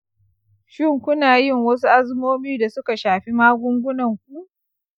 shin ku na yin wasu azumomi da su ka shafi magungunanku?